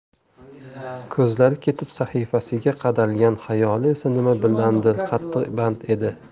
ko'zlari kitob sahifasiga qadalgan xayoli esa nima bilandir qattiq band edi